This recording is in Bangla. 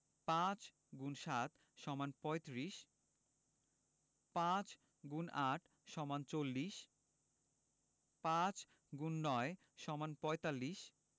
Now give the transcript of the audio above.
৫× ৭ = ৩৫ ৫× ৮ = ৪০ ৫x ৯ = ৪৫